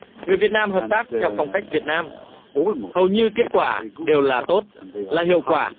người việt nam hợp tác theo phong cách việt nam hầu như kết quả đều là tốt là hiệu quả